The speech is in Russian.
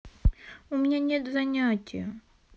у меня нет занятия